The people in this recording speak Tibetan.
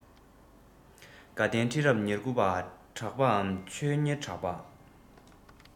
དགའ ལྡན ཁྲི རབས ཉེར དགུ པ གྲགས པའམ ཆོས གཉེར གྲགས པ